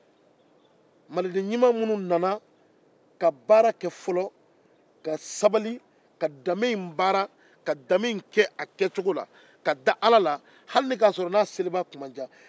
maliden ɲuman minnu nana ka baara ɲuman kɛ ka da ala la hali ni u tun tɛ seli